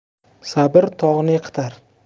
sabr tog'ni yiqitar